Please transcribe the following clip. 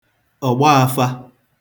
ọ̀gbaāfā